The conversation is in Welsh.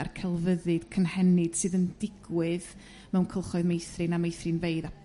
a'r celfyddyd cynhenid sydd yn digwydd mewn cylchoedd meithrin a meithrinfeydd a